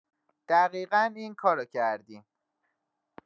دقیقا اینکارو کردیم